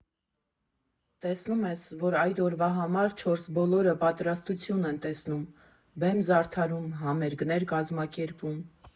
Տեսնում ես, որ այդ օրվա համար չորսբոլորը պատրաստություն են տեսնում, բեմ զարդարում, համերգներ կազմակերպում։